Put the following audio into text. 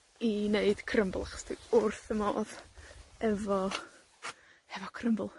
I neud crymbl, 'chos dwi 'ym modd efo, hefo crymbl.